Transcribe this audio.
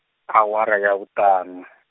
awara ya vhuṱaṋu .